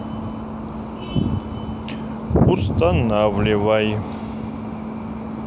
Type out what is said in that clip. устанавливай